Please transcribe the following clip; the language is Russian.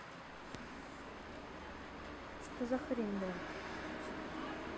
что за хрень град